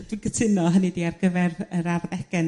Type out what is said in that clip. Dwi'n cytuno hynny 'di ar gyfer yr arddege